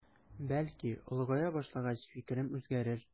Бәлки олыгая башлагач фикерем үзгәрер.